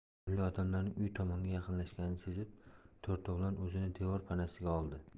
nurli odamlarning uy tomonga yaqinlashganini sezib to'rtovlon o'zini devor panasiga oldi